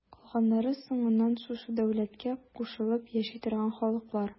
Калганнары соңыннан шушы дәүләткә кушылып яши торган халыклар.